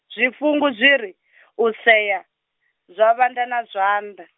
zwifhungu zwiri, u sea, zwa vhanda na zwanḓa.